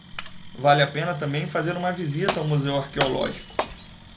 vale a pena também fazer uma visita ao museu arqueológico